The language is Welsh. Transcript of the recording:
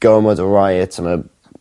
gormod o riot a ma'